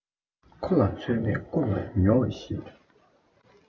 ཁ ལ ཚོད མེད རྐུབ ལ ཉོ བའི གཞི